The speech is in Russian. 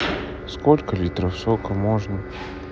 сколько литров сока можно